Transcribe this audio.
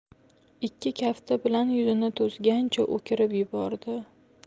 ikki kafti bilan yuzini to'sgancha o'kirib yubordi